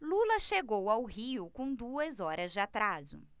lula chegou ao rio com duas horas de atraso